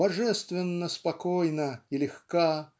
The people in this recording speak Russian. Божественно спокойна и легка